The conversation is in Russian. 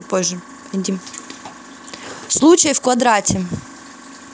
случай в квадрате